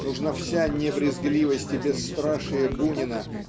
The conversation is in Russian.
нужна вся небрезгливость и бесстрашие Бунина